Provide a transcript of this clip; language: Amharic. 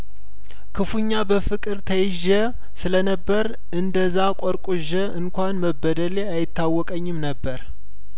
ክፉኛ በፍቅር ተይዤ ስለነበር እንደዛ ቆርቁዤ እንኳን መበደሌ አይታወቀኝም ነበር